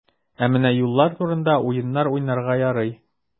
Ә менә юллар турында уеннар уйнарга ярый.